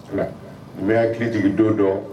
Nka n bɛ y'a hakili jigin don dɔn